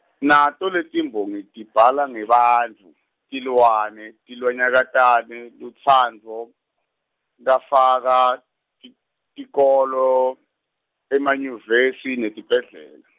nato letimbongi tibhala ngebantfu, tilwane, tilwanyakatane, lutsandvo, kafaka, ti tikolo, emanyuvesi, netibhedlela.